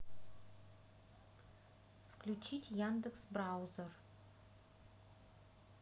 включить яндекс браузер